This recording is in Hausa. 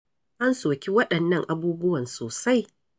An soki waɗannan abubuwan sosai.